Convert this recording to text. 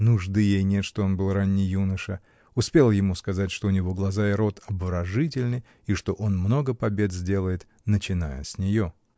нужды ей нет, что он был ранний юноша, успела ему сказать, что у него глаза и рот обворожительны и что он много побед сделает, начиная с нее.